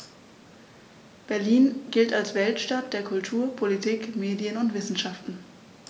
Berlin gilt als Weltstadt der Kultur, Politik, Medien und Wissenschaften.